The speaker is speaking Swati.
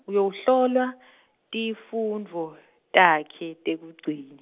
Uyowuhlolwa, tifundvo, takhe tekugcina.